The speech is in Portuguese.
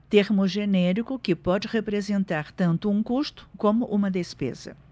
termo genérico que pode representar tanto um custo como uma despesa